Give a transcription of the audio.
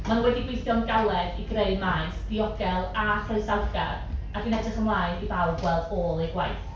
Maen nhw wedi gweithio'n galed i greu Maes diogel a chroesawgar a dwi'n edrych ymlaen i bawb gweld ôl eu gwaith.